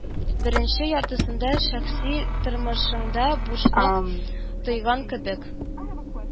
Беренче яртысында шәхси тормышыңда бушлык тойган кебек